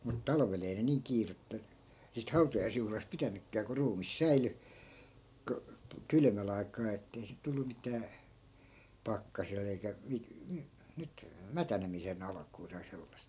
mutta talvella ei ne niin kiirettä siitä hautajaisjuhlasta pitänytkään kun ruumis säilyi - kylmän aikaan että ei sitä tullut mitään pakkasella eikä -- nyt mätänemisen alkua tai sellaista